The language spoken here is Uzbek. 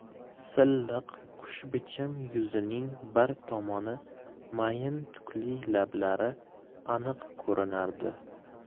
silliq xushbichim yuzining bir tomoni mayin tukli lablari aniq ko'rinardi